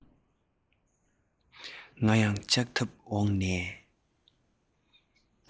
ང ཡང ལྕགས ཐབ འོག ནས